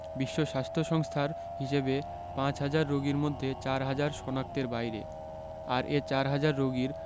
বিশ্ব স্বাস্থ্য সংস্থার হিসেবে পাঁচহাজার রোগীর মধ্যে চারহাজার শনাক্তের বাইরে আর এ চারহাজার রোগীর